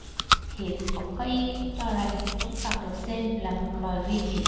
hiện cũng có ý kiến cho rằng chúng cần được xem là một loài riêng biệt